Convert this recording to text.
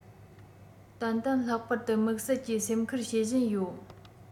ཏན ཏན ལྷག པར དུ དམིགས བསལ གྱིས སེམས ཁུར བྱེད བཞིན ཡོད